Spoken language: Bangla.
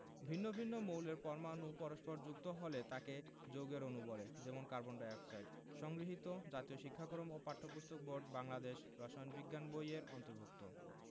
ভিন্ন ভিন্ন মৌলের পরমাণু পরস্পর যুক্ত হলে তাকে যৌগের অণু বলে যেমন কার্বন ডাই অক্সাইড সংগৃহীত জাতীয় শিক্ষাক্রম ও পাঠ্যপুস্তক বোর্ড বাংলাদেশ রসায়ন বিজ্ঞান বই এর অন্তর্ভুক্ত